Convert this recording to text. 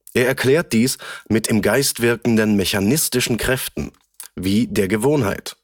erklärt dies mit im Geist wirkenden ' mechanistischen ' Kräften, wie der Gewohnheit